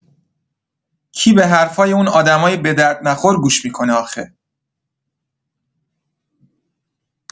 کی به حرفای اون آدمای بدردنخور گوش می‌کنه آخه؟